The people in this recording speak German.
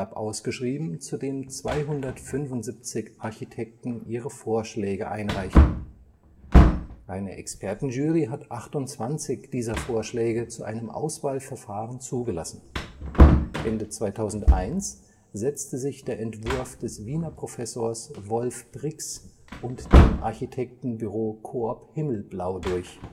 ausgeschrieben, zu dem 275 Architekten ihre Vorschläge einreichten. Eine Expertenjury hat 28 dieser Vorschläge zu einem Auswahlverfahren zugelassen. Ende 2001 setzte sich der Entwurf des Wiener Professors Wolf D. Prix und dem Architektenbüro Coop Himmelb (l) au durch